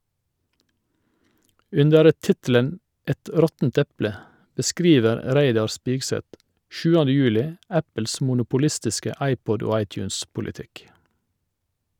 Under tittelen "Et råttent eple" beskriver Reidar Spigseth 7. juli Apples monopolistiske iPod- og iTunes-politikk.